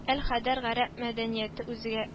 “әл-хадар” гарәп мәдәнияте үзегә